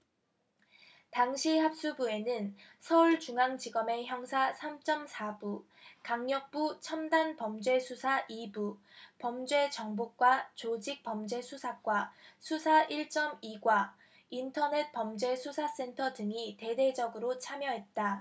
당시 합수부에는 서울중앙지검의 형사 삼 쩜 사 부 강력부 첨단범죄수사 이 부 범죄정보과 조직범죄수사과 수사 일 쩜 이 과 인터넷범죄수사센터 등이 대대적으로 참여했다